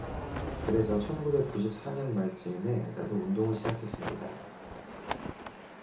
그래서 천 구백 구십 사 년 말 즈음에 나도 운동을 시작했습니다